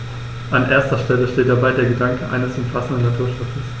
An erster Stelle steht dabei der Gedanke eines umfassenden Naturschutzes.